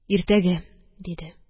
– иртәгә! – диде